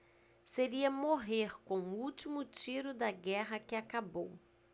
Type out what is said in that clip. seria morrer com o último tiro da guerra que acabou